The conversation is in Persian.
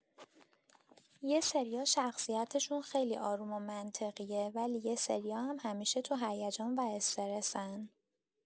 یه سریا شخصیتشون خیلی آروم و منطقیه ولی یه سریا هم همیشه تو هیجان و استرسن.